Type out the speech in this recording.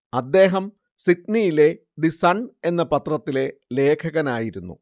അദ്ദേഹം സിഡ്നിയിലെ the Sun എന്ന പത്രത്തിലെ ലേഖകനായിരുന്നു